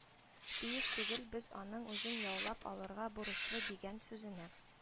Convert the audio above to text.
Тиеш түгел, без аның үзен яулап алырга бурычлы» дигән сүзенә